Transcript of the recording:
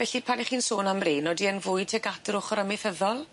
Felly pan 'ych chi'n sôn am rein odi e'n fwyd tuag at yr ochor amaethyddol?